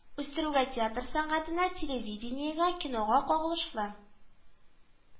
Үстерүгә, театр сәнгатенә, телевидениегә, кинога кагылышлы